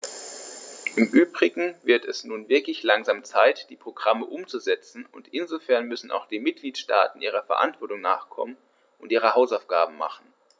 Im übrigen wird es nun wirklich langsam Zeit, die Programme umzusetzen, und insofern müssen auch die Mitgliedstaaten ihrer Verantwortung nachkommen und ihre Hausaufgaben machen.